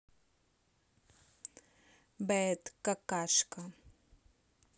bad какашка